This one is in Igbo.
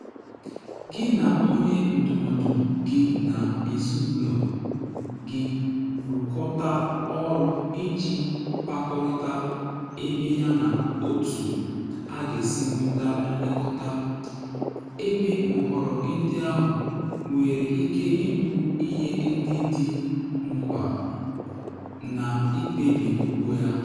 Gị na onye ndụmọdụ gị na ezinụlọ gị rụkọta ọrụ iji kpakọrịta ebe yana otu a ga-esi nweta nlekọta, ebe nhọrọ ndị ahụ nwere ike ịbụ ihe ndị dị mkpa na ikpebi ụgwọ ya.